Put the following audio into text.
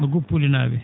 no Guppuli naa?e